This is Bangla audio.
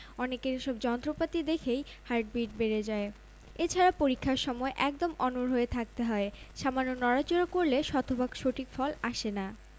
অনেকের এসব যন্ত্রপাতি দেখেই হার্টবিট বেড়ে যায় এছাড়া পরীক্ষার সময় একদম অনড় হয়ে থাকতে হয় সামান্য নড়াচড়া করলে শতভাগ সঠিক ফল আসে না